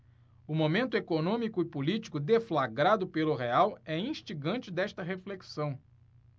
o momento econômico e político deflagrado pelo real é instigante desta reflexão